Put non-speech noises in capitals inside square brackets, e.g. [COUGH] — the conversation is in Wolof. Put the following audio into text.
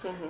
[HESITATION] [HESITATION]